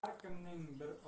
har kimning bir o'yi